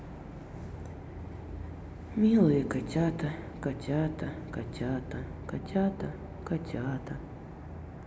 милые котята котята котята котята котята